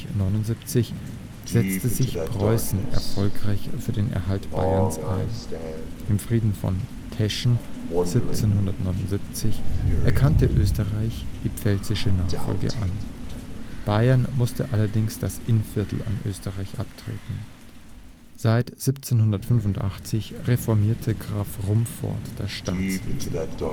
79 setzte sich Preußen erfolgreich für den Erhalt Bayerns ein. Im Frieden von Teschen 1779 erkannte Österreich die pfälzische Nachfolge an. Bayern musste allerdings das Innviertel an Österreich abtreten. Seit 1785 reformierte Graf Rumford das Staatswesen